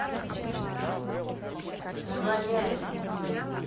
наваляю тебе